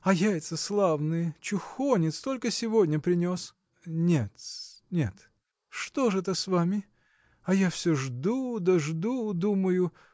а яйца славные: чухонец только сегодня принес. – Нет-с, нет. – Что ж это с вами? А я все жду да жду, думаю